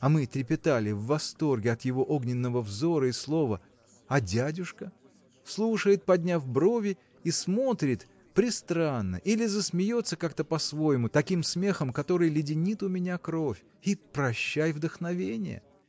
а мы трепетали в восторге от его огненного взора и слова а дядюшка? слушает подняв брови и смотрит престранно или засмеется как-то по-своему таким смехом который леденит у меня кровь – и прощай вдохновение!